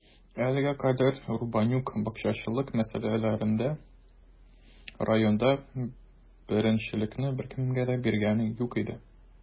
Әлегә кадәр Рубанюк бакчачылык мәсьәләләрендә районда беренчелекне беркемгә дә биргәне юк иде.